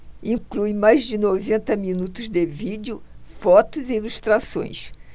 inclui mais de noventa minutos de vídeo fotos e ilustrações